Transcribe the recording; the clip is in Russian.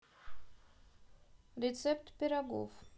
рецепт пирогов